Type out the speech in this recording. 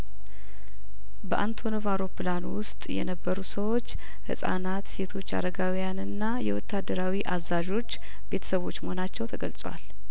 በአንቶኖቭ አውሮፕላን ውስጥ የነበሩ ሰዎች ህጻናት ሴቶች አረጋውያንና የወታደራዊ አዛዦች ቤተሰቦች መሆናቸው ተገልጿል